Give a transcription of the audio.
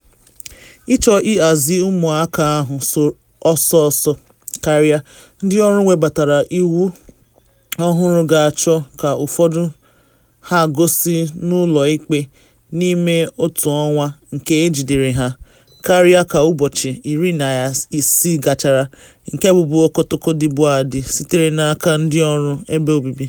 Ịchọ ịhazi ụmụaka ahụ ọsọ ọsọ karịa, ndị ọrụ webatara iwu ọhụrụ ga-achọ ka ụfọdụ ha gosi n’ụlọ ikpe n’ime otu ọnwa nke ejidere ha, karịa ka ụbọchị 60 gachara, nke bubu ọkọlọtọ dịbu adị, site n’aka ndị ọrụ ebe obibi.